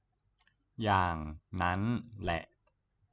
อย่างนั้ั้นแหละ